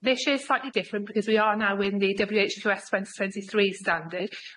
This year's slightly different because we are now in the W H Q S twenty twenty three standard,